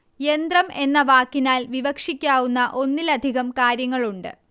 യന്ത്രം എന്ന വാക്കിനാല് വിവക്ഷിക്കാവുന്ന ഒന്നിലധികം കാര്യങ്ങളുണ്ട്